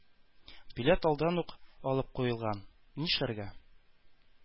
Билет алдан ук алып куелган. Нишләргә?